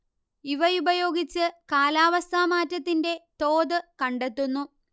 ഇവയുപയോഗിച്ച് കാലാവസ്ഥാ മാറ്റത്തിന്റെ തോത് കണ്ടെത്തുന്നു